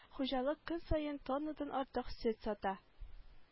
Хуҗалык көн саен тоннадан артык сөт сата